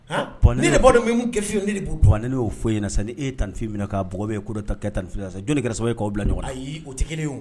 Bɔn ne de b'a dɔ n bɛ kɛ Fini la ne de b'o dɔn bon ne ye y'o f'e ɲɛna sisan ni e ye tantie Fifi minɛ ka bugɔ ou bien e ye ko dɔ kɛ tanfie la sisan jɔn de kɛra sababu ye k'aw bila ɲɔgɔn ayi o tɛ kelen ye.